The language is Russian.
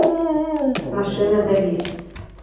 машина давид